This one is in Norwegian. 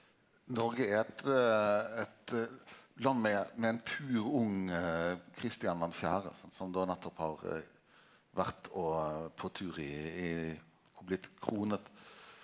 Noreg er eit eit land med med ein pur ung Kristian den fjerde sant som då nettopp har vore å på tur i i og blitt krona.